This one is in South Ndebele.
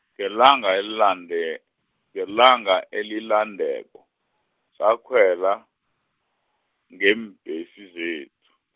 ngelanga elilande-, ngelanga elilandelako, sakhwela, ngeembhesi zethu.